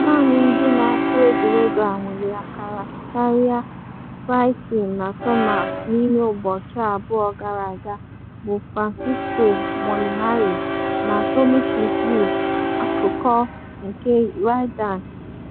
Naanị ndị na-akụ egwuregwu a nwere akara karịa Spieth na Thomas n’ime ụbọchị abụọ gara aga bụ Francesco Molinari na Tommy Fleetwood, akụkọ nke